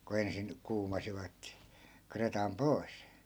kun ensin kuumasivat kretan pois